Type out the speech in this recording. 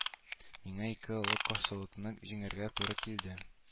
Миңа ике олы каршылыкны җиңәргә туры килде